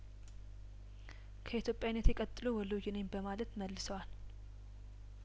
ከኢትዮጵያዊነቴ ቀጥሎ ወሎዬ ነኝ በማልት መልሰዋል